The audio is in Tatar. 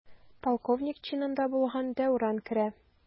Полковник чинында булган Дәүран керә.